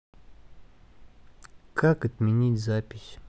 как отменить запись